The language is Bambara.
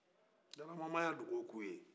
grabamama ye dugaw k'u ye